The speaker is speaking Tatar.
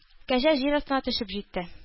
Кәҗә җир астына төшеп җитте